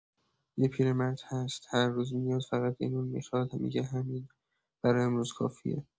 یه پیرمرد هست هر روز میاد، فقط یه نون می‌خواد، می‌گه همین برا امروز کافیه.